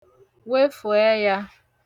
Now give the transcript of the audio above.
wefù ẹyā